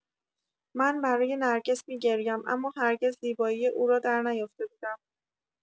من برای نرگس می‌گریم اما هرگز زیبایی او را درنیافته بودم.